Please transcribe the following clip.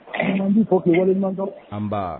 ' fɔki waleɔnɔtɔ anba